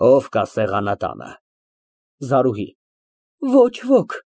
Ո՞վ կա սեղանատանը։ ԶԱՐՈՒՀԻ ֊ Ոչ ոք։